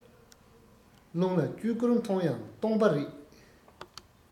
རླུང ལ གཅུས བསྐོར མཐོང ཡང སྟོང པ རེད